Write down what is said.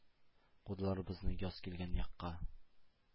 Кудылар бозны яз килгән якка.